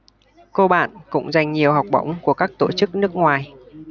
cô bạn cũng giành nhiều học bổng của các tổ chức nước ngoài